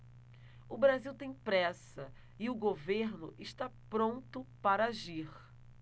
o brasil tem pressa e o governo está pronto para agir